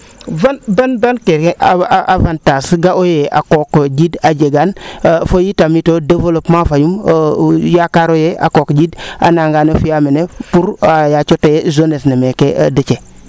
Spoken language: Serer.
ban ban kene avantage ga'oye a qooq njiind a jegaan fo yitamito developpement fayum yaakaro ye a qooq njiind a naanga no fiya mene pour a yaaco teye jeunesse ne meeke Déthié